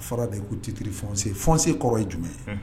A fara de ye ko titiririse fse kɔrɔ ye jumɛn ye